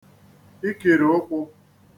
ikìrìụkwụ